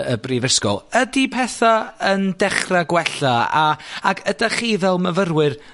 y y brifysgol. Ydi petha yn dechre gwella, a ag ydych chi fel myfyrwyr